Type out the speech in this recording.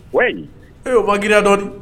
Oui e o ma girinya dɔɔnin